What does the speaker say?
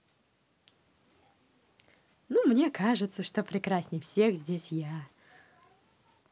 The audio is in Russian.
ну мне кажется что прекрасней всех здесь я